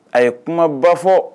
A ye kuma ba fɔ